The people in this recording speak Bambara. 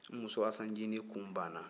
n muso asan ncinin kun baana